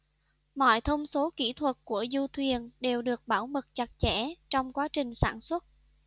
mọi thông số kỹ thuật của du thuyền đều được bảo mật chặt chẽ trong quá trình sản xuất